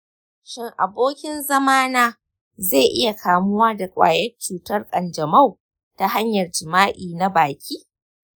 shin abokin zamana zai iya kamuwa da ƙwayar cutar kanjamau ta hanyar jima'i na baki?